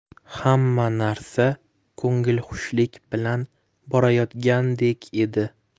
hamma narsa kongilxushlik bilan borayotgandek edi